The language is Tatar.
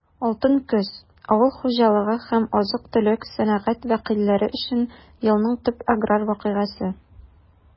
«алтын көз» - авыл хуҗалыгы һәм азык-төлек сәнәгате вәкилләре өчен елның төп аграр вакыйгасы.